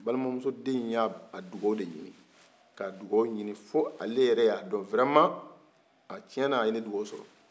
balimamuso den in y'a dugaw de ɲini k'a dugaw ɲini fɔ ale yerɛ y'a dɔn vɛrɛman aa tiɲɛn na a ye ne dugawu sɔrɔ